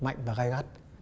mạnh và gay gắt